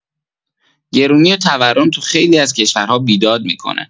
گرونی و تورم تو خیلی از کشورها بیداد می‌کنه.